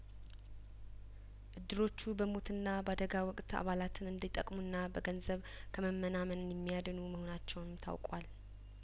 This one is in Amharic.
እድሮቹ በሞትና በአደጋ ወቅት አባላትን እንዲጠቅሙና በገንዘብ ከመመናመን የሚያድኑ መሆናቸውም ታውቋል